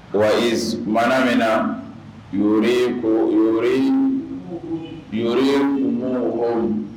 Wa iz tumana min na yuriku yuri yurikumuhum